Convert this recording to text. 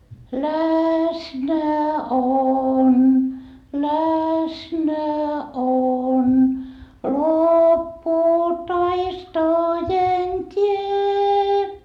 läsnä on läsnä on loppuu taistojen tie